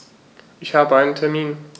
Ich habe einen Termin.